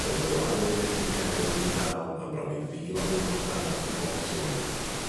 Roedden n'w ar linell biced yn ddi dal am bron i fil o ddiwrnoda ym mhob tywydd.